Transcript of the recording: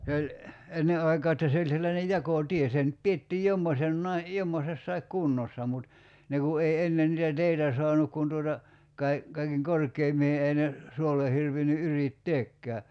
se oli ennen aikaa että se oli sellainen jakotie se nyt pidettiin jommoisenakin jommoisessakin kunnossa mutta ne kun ei ennen niitä teitä saanut kun tuota - kaiken korkeimpiin ei ne suolle hirvinnyt yrittääkään